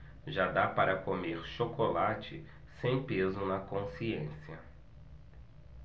já dá para comer chocolate sem peso na consciência